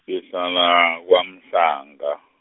ngihlala kwaMhlanga.